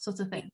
so't o' thing